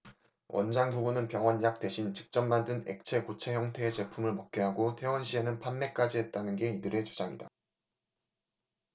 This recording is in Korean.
원장 부부는 병원 약 대신 직접 만든 액체 고체 형태의 제품을 먹게 하고 퇴원 시에는 판매까지 했다는 게 이들의 주장이다